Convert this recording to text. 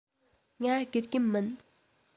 ང དགེ རྒན མིན